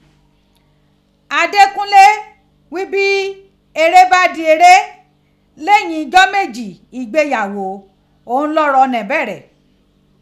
Adékúnlé ghi bi ere bi ere leyin ijọ meji igbeyagho oun lọrọ ni bẹrẹ.